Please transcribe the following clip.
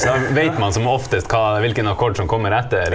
da veit man som oftest hva hvilken akkord som kommer etter.